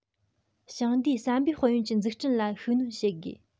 ཞིང སྡེའི བསམ པའི དཔལ ཡོན གྱི འཛུགས སྐྲུན ལ ཤུགས སྣོན བྱེད དགོས